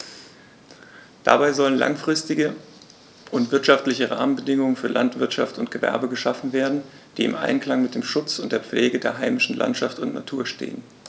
Dabei sollen langfristige und wirtschaftliche Rahmenbedingungen für Landwirtschaft und Gewerbe geschaffen werden, die im Einklang mit dem Schutz und der Pflege der heimischen Landschaft und Natur stehen.